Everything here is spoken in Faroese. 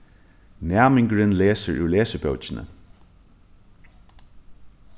næmingurin lesur úr lesibókini